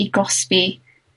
i gosbi